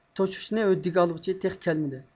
توشۇشنى ھۆددىگە ئالغۇچى تېخى كەلمىدى